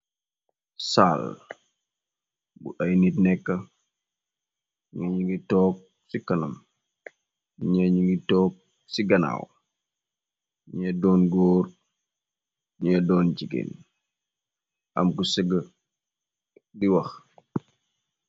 Saal bu ay nit nekka ñañu ngi toog ci kanam, ñeñu ngi toog ci ganaaw. Ñee doon góor, ñee doon jigéen. Am ku sëga di wakh.